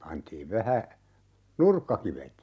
pantiin vähän nurkkakivet